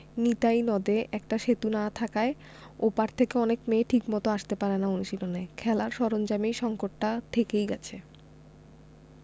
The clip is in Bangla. নিতাই নদে একটা সেতু না থাকায় ও পার থেকে অনেক মেয়ে ঠিকমতো আসতে পারে না অনুশীলনে খেলার সরঞ্জামের সংকটটা থেকেই গেছে